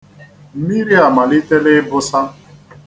Mmiri amalitela ịbụsa.